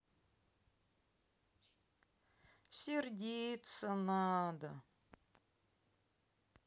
сердиться надо